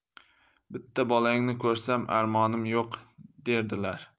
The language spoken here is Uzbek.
bitta bolangni ko'rsam armonim yo'q derdilar